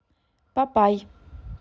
папай